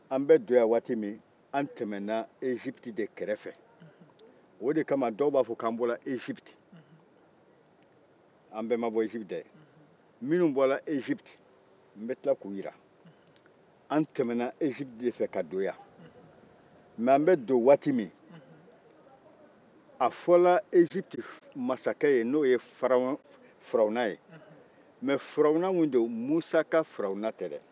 an bɛ don yan waati min an tɛmɛna ezuwiti de kɛrɛfɛ o de kama dɔ b'a fɔ k'an bɔra ezuwiti an bɛɛ ma bɔ ezuwiti dɛ minnu bɔra ezuwiti n bɛ tila k'u jira an tɛmɛna ezuwiti de fɛ ka don yan an bɛ don waati min a fɔra ezuwiti masakɛ ye n'o ye firawuna nka firawuna min don musa ka firawuna tɛ dɛ